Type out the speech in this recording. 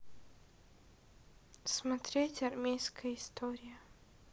смотреть армейская история